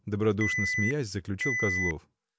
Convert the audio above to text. — добродушно смеясь, заключил Козлов.